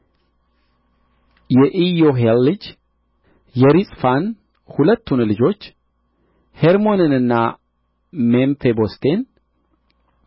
የኢዮሄል ልጅ የሪጽፋን ሁለቱን ልጆች ሄርሞንንና ሜምፊቦስቴን